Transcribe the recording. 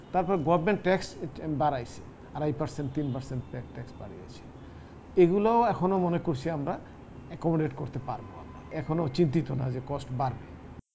তারপর government tax বাড়িয়েছে আড়াই পার্সেন্ট তিন পার্সেন্ট টেক্স বাড়িয়েছে এগুলো এখনো মনে করছি আমরা একমোডেট করতে পারব এখনো চিন্তিত না যে কষ্ট বাড়বে